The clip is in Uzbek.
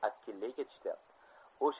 akillay ketishdi